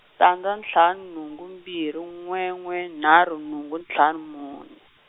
tandza ntlhanu nhungu mbirhi n'we n'we nharhu nhungu ntlhanu mune.